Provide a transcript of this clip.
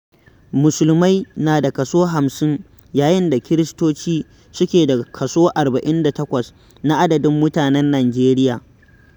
Musulmai na da kaso 50 yayin da Kiristoci su suke da kaso 48 na adadin mutanen Nijeriya.